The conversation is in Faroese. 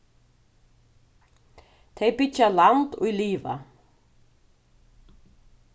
tey byggja land ið liva